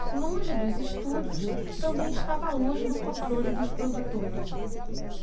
longe dos estúdios também estava longe do controle dos produtores